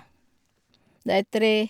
Det er tre...